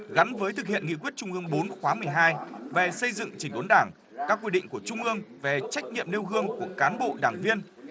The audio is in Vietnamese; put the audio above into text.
gắn với thực hiện nghị quyết trung ương bốn khóa mười hai về xây dựng chỉnh đốn đảng các quy định của trung ương về trách nhiệm nêu gương của cán bộ đảng viên